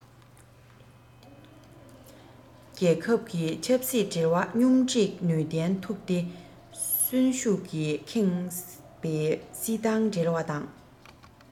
རྒྱལ ཁབ ཀྱི ཆབ སྲིད འབྲེལ བ སྙོམས སྒྲིག ནུས ལྡན ཐུབ སྟེ གསོན ཤུགས ཀྱིས ཁེངས པའི སྲིད ཏང འབྲེལ བ དང